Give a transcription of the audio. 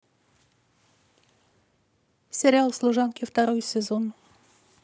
сериал служанки второй сезон